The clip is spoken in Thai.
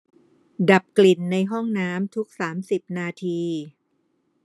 ดับกลิ่นในห้องน้ำทุกสามสิบนาที